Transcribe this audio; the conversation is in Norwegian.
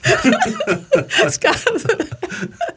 skal jeg .